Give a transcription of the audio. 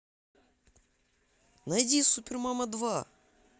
найди супер мама два